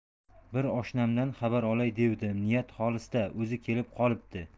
bir oshnamdan xabar olay devdim niyat xolis da o'zi kelib qolibdi